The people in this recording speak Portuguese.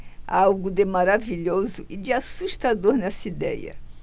há algo de maravilhoso e de assustador nessa idéia